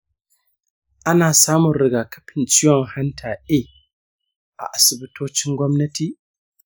ana samun rigakafin ciwon hanta a a asibitocin gwamnati?